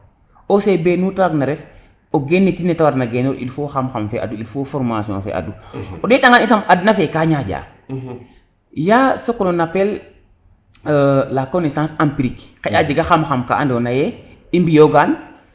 OCB nute waag na ref o geni tin nete warna genoox il faut xam xam fe il faut formnation o ndeta ngan itam adna fe ka ñaƴa ya se :far qu'; on appel la connaisance amprique xaƴa a jaga xam xam fa ando naye i mbiyo gan